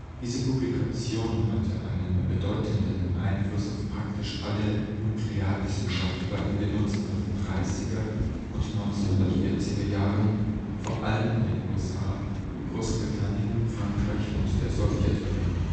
Diese Publikation hatte einen bedeutenden Einfluss auf praktisch alle Nuklearwissenschaftler in den 1930er und 1940er Jahren, vor allem in den USA, Großbritannien, Frankreich und der Sowjetunion